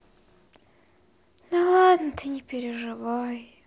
да ладно ты не переживай